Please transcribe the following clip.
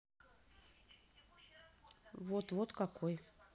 вот вот какой